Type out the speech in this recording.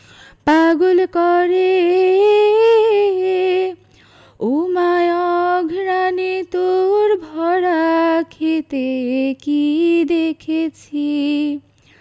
পাগল করে ওমা অঘ্রানে তোর ভরা ক্ষেতে কী দেখসি